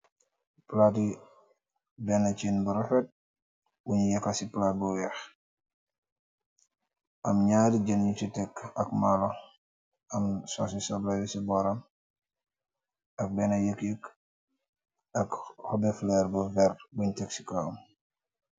Palati benachin bu refet bung yeka si palat bu weex aam naari jen yu si teg ak maloo aam sossi sobleh si boram ak bena yegyeg ak hopbi fly bu vertah bung teg si boram.